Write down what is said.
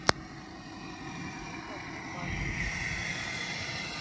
включи ка мне пашечку